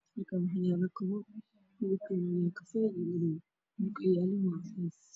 Halkani wax yaalo koobab lagu kariyo kafee